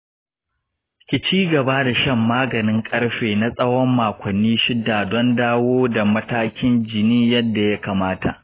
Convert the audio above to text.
ki ci gaba da shan maganin ƙarfe na tsawon makonni shida don dawo da matakin jini yadda ya kamata.